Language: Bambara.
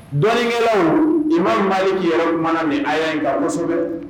Dɔɔninkɛlaw i ma' ni yɛrɛ mana ni a y' n nkaso dɛ